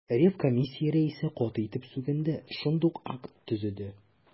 Ревкомиссия рәисе каты итеп сүгенде, шундук акт төзеде.